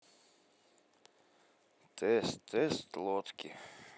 тест тест лодки